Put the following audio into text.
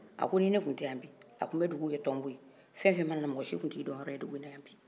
a ko ni ne tun tɛ yan bi a tun bɛ dugu kɛ tonbo ye fɛn o fɛn mana na mɔgɔ si tun t'i dɔnyɔrɔ ye dugu in na yan bi